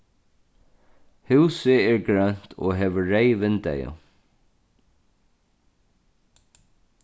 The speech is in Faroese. húsið er grønt og hevur reyð vindeygu